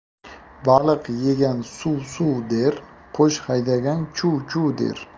baliq yegan suv suv der qo'sh haydagan chuv chuv der